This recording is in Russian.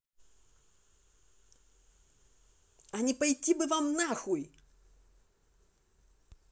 а не пойти бы вам нахуй